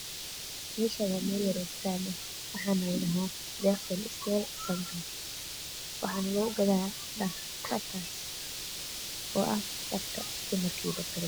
Meeshan waa meel yaro dukaan ah waxana la dhahaa deqsan istel sanka waxaana lagu gadaa dhar xagaas oo ah dharka dumarka iyo kan raga